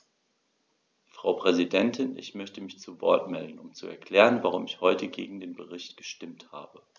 Frau Präsidentin, ich möchte mich zu Wort melden, um zu erklären, warum ich heute gegen den Bericht gestimmt habe.